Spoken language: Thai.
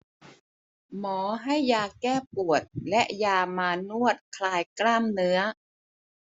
หมอให้ยาแก้ปวดและยามานวดคลายกล้ามเนื้อ